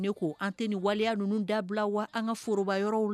Ne ko an tɛ nin waleya ninnu dabila wa an ka foroba yɔrɔw la